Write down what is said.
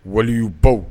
Wale y'u baw